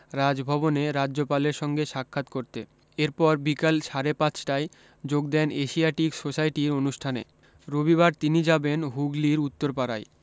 রাজভবনে রাজ্যপালের সঙ্গে সাক্ষাত করতে এরপর বিকেল সাড়ে পাঁচটায় যোগ দেন এশিয়াটিক সোসাইটির অনুষ্ঠানে রবিবার তিনি যাবেন হুগলির উত্তরপাড়ায়